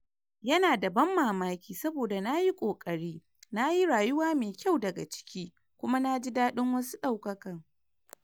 Yana da ban mamaki saboda na yi kokari, na yi rayuwa mai kyau daga ciki, kuma na ji dadin wasu daukaka.